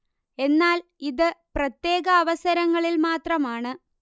എന്നാൽ ഇത് പ്രത്യേക അവസരങ്ങളിൽ മാത്രമാണ്